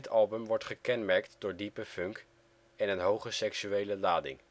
album wordt gekenmerkt door diepe funk en een hoge seksuele lading